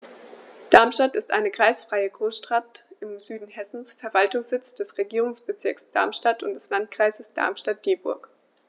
Darmstadt ist eine kreisfreie Großstadt im Süden Hessens, Verwaltungssitz des Regierungsbezirks Darmstadt und des Landkreises Darmstadt-Dieburg.